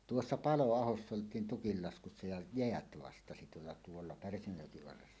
tuossa Paloahossa oltiin tuolla tuolla Pärsämönjoen varressa